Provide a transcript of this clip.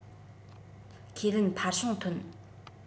ཁས ལེན འཕར བྱུང ཐོན